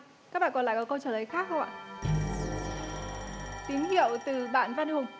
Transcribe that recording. các bạn còn lại có câu trả lời khác không ạ tín hiệu từ bạn văn hùng